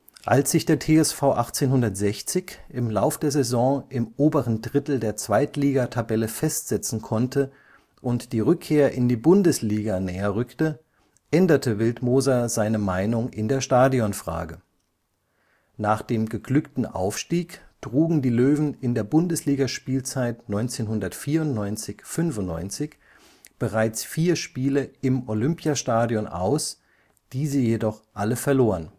Als sich der TSV 1860 im Lauf der Saison im oberen Drittel der Zweitligatabelle festsetzen konnte und die Rückkehr in die Bundesliga näher rückte, änderte Wildmoser seine Meinung in der Stadionfrage. Nach dem geglückten Aufstieg trugen die Löwen in der Bundesligaspielzeit 1994 / 95 bereits vier Spiele im Olympiastadion aus, die sie jedoch alle verloren